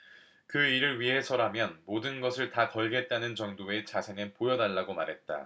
그 일을 위해서라면 모든 것을 다 걸겠다는 정도의 자세는 보여달라고 말했다